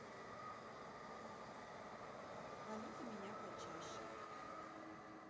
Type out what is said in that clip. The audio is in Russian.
хвалите меня почаще